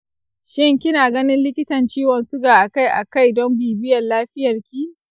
shin kina ganin likitan ciwon suga a kai a kai don bibiyar lafiyarki?